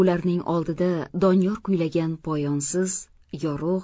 ularning oldida doniyor kuylagan poyonsiz yorug'